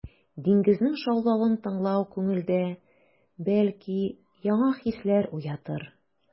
Диңгезнең шаулавын тыңлау күңелдә, бәлки, яңа хисләр уятыр.